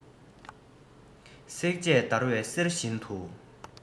སྲེག བཅད བརྡར བའི གསེར བཞིན དུ